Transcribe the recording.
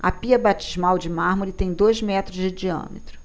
a pia batismal de mármore tem dois metros de diâmetro